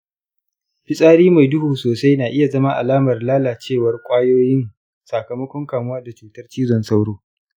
fitsari mai duhu sosai na iya zama alamar lalacewar ƙwayoyin sakamakon kamuwa da cutar cizon sauro.